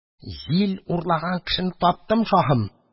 Җил урлаган кешене таптым, шаһым!